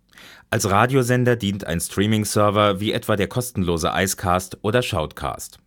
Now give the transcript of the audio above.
Als Radiosender dient ein Streaming-Server wie etwa der kostenlose Icecast oder SHOUTcast